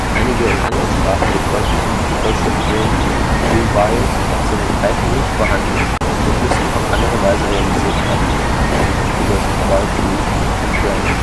Einige in anderen Sprachen gebräuchliche Kontrollstrukturen, wie do/while, sind in Python nicht vorhanden und müssen auf andere Weise realisiert werden (z. B. durch „ while True: … break